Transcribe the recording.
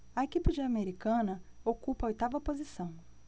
a equipe de americana ocupa a oitava posição